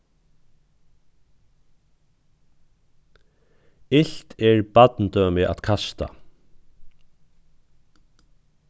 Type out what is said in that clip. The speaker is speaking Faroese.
ilt er barndømi at kasta